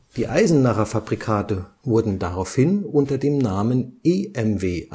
Die Eisenacher Fabrikate wurden daraufhin unter dem Namen „ EMW